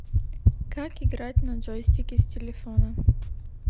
как играть на джойстике с телефона